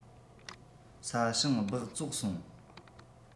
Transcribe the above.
ས ཞབ སྦགས བཙོག སོང